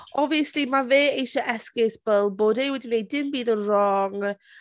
Obviously, ma' fe eisie esgus fel bod e wedi wneud dim byd yn wrong.